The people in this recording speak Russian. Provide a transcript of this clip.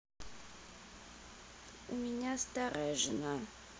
у меня старая жена